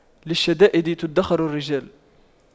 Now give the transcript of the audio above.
للشدائد تُدَّخَرُ الرجال